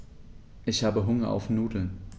Ich habe Hunger auf Nudeln.